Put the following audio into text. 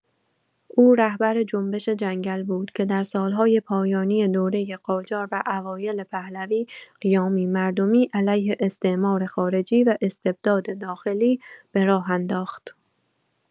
او رهبر جنبش جنگل بود که در سال‌های پایانی دوره قاجار و اوایل پهلوی، قیامی مردمی علیه استعمار خارجی و استبداد داخلی به راه انداخت.